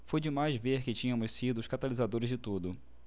foi demais ver que tínhamos sido os catalisadores de tudo